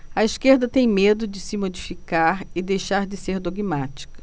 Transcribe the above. a esquerda tem medo de se modificar e deixar de ser dogmática